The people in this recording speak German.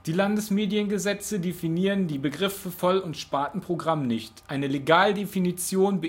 Landesmediengesetze definieren die Begriffe Voll - und Spartenprogramm nicht; eine Legaldefinition